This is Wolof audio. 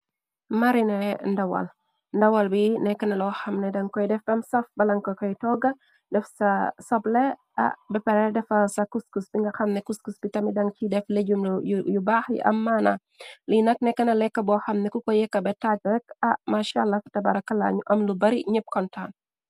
marine ndawal ndawal bi nekkna loo xam ne dann koy def am saf balanko koy tooga def sa sople ah bepre defa sakuskus bi nga xam nekuskus bi tami daŋ ci def lejum yu baax yi am maana li nak nekk na lekka boo xam neku ko yekka be taaj rekk amachalaf fah tahbarakalañu am lu bari ñepp kontaan.